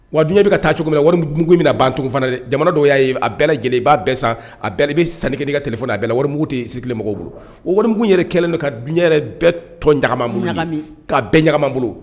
Wa dun bɛ ka taa cogo min bɛna bantu fana jamana dɔw y'a a bɛɛ lajɛlen i b'a bɛɛ san a bɛɛ i bɛ san ka kɛlɛ fɔlɔ a bɛ warim tɛ sigilen mɔgɔw bolo o warikun yɛrɛ kɛlen don ka dun yɛrɛ bɛɛ tɔn bolo ka ɲaga bolo